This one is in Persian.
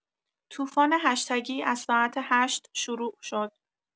طوفان هشتگی از ساعت ۸ شروع شد.